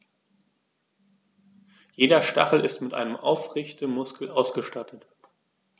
Jeder Stachel ist mit einem Aufrichtemuskel ausgestattet.